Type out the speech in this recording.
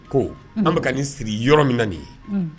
Ko an bɛka ka nin siri yɔrɔ min nin ye